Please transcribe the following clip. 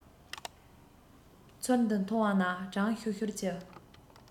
ཚུལ འདི མཐོང བ ན གྲང ཤུར ཤུར གྱི